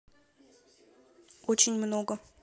очень много